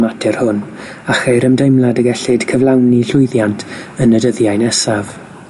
mater hwn, a cheir ymdeimlad y gellid cyflawni llwyddiant yn y dyddiau nesaf.